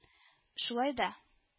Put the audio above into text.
— шулай да